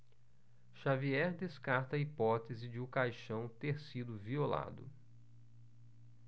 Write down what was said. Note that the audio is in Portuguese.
xavier descarta a hipótese de o caixão ter sido violado